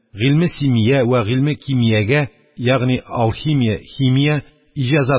Гыйльме симия вә гыйльме кимиягә, ягъни алхимия, химия иҗазәт